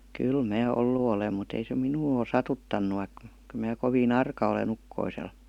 kyllä minä ollut olen mutta ei se minua ole satuttanut vaikka kyllä minä kovin arka olen ukkoselle